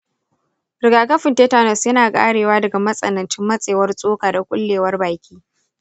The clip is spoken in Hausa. rigakafin tetanus yana karewa daga matsanancin matsewar tsoka da ƙullewar baki.